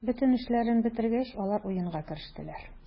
Бөтен эшләрен бетергәч, алар уенга керештеләр.